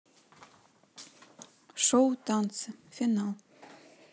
шоу танцы финал